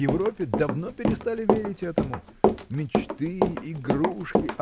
в Европе давно перестали верить этому. Мечты игрушки